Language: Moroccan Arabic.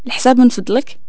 لحساب من فضلك